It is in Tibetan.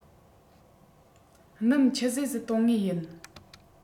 སྣུམ ཆུད ཟོས སུ གཏོང ངེས ཡིན